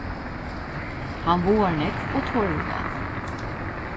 hann vágar nógv og torir væl